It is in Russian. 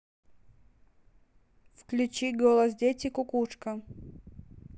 включи голос дети кукушка